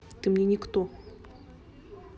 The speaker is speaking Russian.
ты мне никто